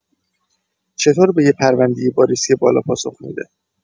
چطور به یه پرونده با ریسک بالا پاسخ می‌ده؟